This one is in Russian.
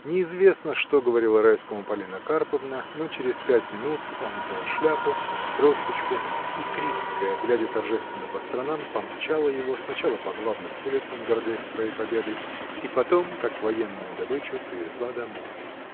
Неизвестно, что говорила Райскому Полина Карповна, но через пять минут он взял шляпу, тросточку, и Крицкая, глядя торжественно по сторонам, помчала его, сначала по главным улицам, гордясь своей победой, и потом, как военную добычу, привезла домой.